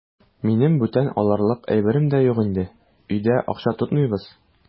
Минем бүтән алырлык әйберем дә юк инде, өйдә акча тотмыйбыз.